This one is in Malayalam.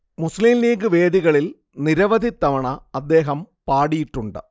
മുസ്ലീം ലീഗ് വേദികളിൽ നിരവധി തവണ അദ്ദേഹം പാടിയിട്ടുണ്ട്